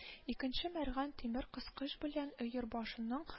Икенче мәргән тимер кыскыч белән Өер башының